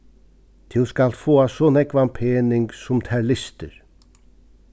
tú skalt fáa so nógvan pening sum tær lystir